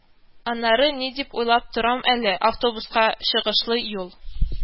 Аннары ни дип уйлап торам әле, автобуска чыгышлый, юл